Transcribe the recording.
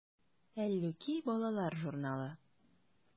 “әллүки” балалар журналы.